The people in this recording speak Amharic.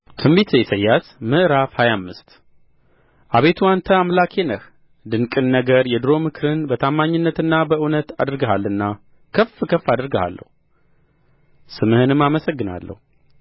ትንቢተ ኢሳይያስ ምዕራፍ ሃያ አምስት አቤቱ አንተ አምላኬ ነህ ድንቅን ነገር የዱሮ ምክርን በታማኝነትና በእውነት አድርገሃልና ከፍ ከፍ አደርግሃለሁ ስምህንም አመሰግናለሁ